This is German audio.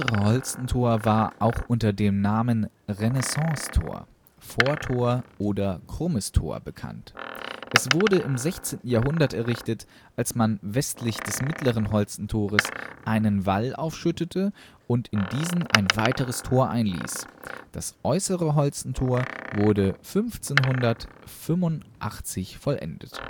Holstentor war auch unter den Namen Renaissancetor, Vortor oder Krummes Tor bekannt. Es wurde im 16. Jahrhundert errichtet, als man westlich des Mittleren Holstentores einen Wall aufschüttete und in diesen ein weiteres Tor einließ. Das Äußere Holstentor wurde 1585 vollendet